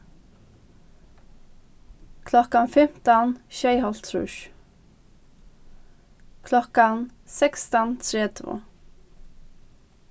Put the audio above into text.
klokkan fimtan sjeyoghálvtrýss klokkan sekstan tretivu